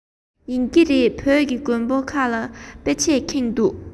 ཡིན གྱི རེད བོད ཀྱི དགོན པ ཁག ལ དཔེ ཆས ཁེངས འདུག ག